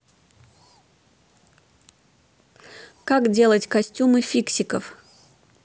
как делать костюмы фиксиков